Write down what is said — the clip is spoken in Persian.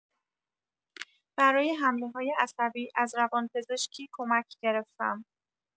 برای حمله‌های عصبی از روان‌پزشکی کمک گرفتم.